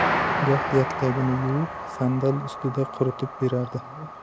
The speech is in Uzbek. goh yaktagini yuvib sandal ustida quritib beradi